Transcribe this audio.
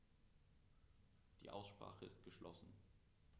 Die Aussprache ist geschlossen.